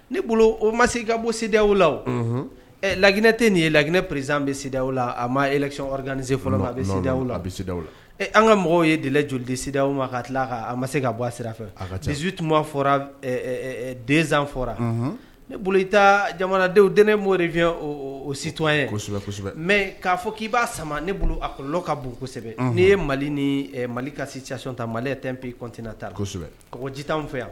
Ne bolo o ma se ka bɔ sidadaw la laginɛ tɛ nin ye laginɛ presiz bɛ sididaw la a ma ecɔridanise fɔlɔ ma a bɛda la a bɛda la an ka mɔgɔw ye de jolidaw ma ka tila a ma se ka bɔ a sira fɛ a katusu tun fɔra den fɔra ne bolo i jamanadenw denimo defi o situma ye kosɛbɛsɛbɛ kosɛbɛ mɛ k'a fɔ k'i b'a sama ne bolo akɔlɔ ka bonsɛbɛ n'i ye mali ni mali ka siccon ta mali tɛ pe kɔntna taa kosɛbɛsɛbɛ a ji t'anw fɛ yan